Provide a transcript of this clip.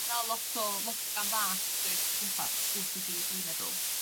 Ma' 'na lot o lot o gam ddallt does o gwpas ow si di dwi meddwl.